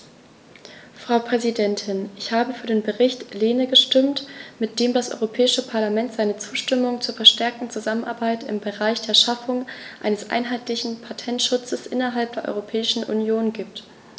Frau Präsidentin, ich habe für den Bericht Lehne gestimmt, mit dem das Europäische Parlament seine Zustimmung zur verstärkten Zusammenarbeit im Bereich der Schaffung eines einheitlichen Patentschutzes innerhalb der Europäischen Union gibt.